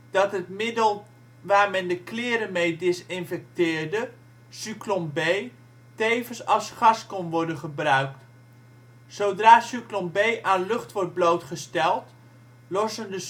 dat het middel waar men de kleren mee desinfecteerde, Zyklon B, tevens als gas kon worden gebruikt. Zodra Zyklon B aan lucht wordt blootgesteld, lossen de